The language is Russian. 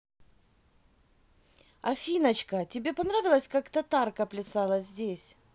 афиночка тебе понравилось как tatarka плясала здесь